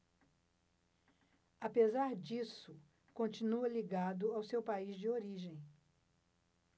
apesar disso continua ligado ao seu país de origem